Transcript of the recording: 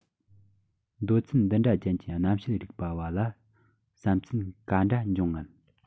འདོད ཚུལ འདི འདྲ ཅན གྱི གནམ དཔྱད རིག པ བ ལ བསམ ཚུལ ག འདྲ འབྱུང ངམ